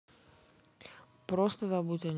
просто забудь о нем